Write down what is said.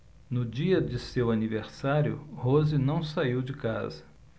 no dia de seu aniversário rose não saiu de casa